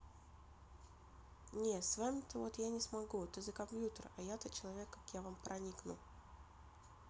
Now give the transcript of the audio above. не с вами то вот я не смогу ты за компьютер а я то человек как я к вам проникну